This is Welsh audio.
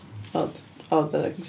Od, od oedd o.